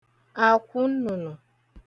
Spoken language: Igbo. àkwụ nnụ̀nụ̀